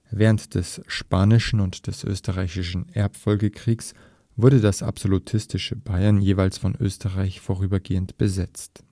Während des Spanischen und des Österreichischen Erbfolgekrieges wurde das absolutistische Bayern jeweils von Österreich vorübergehend besetzt